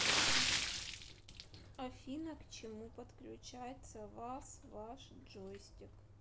афина к чему подключается васваш джойстик